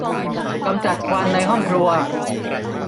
กำจัดควันในห้องครัว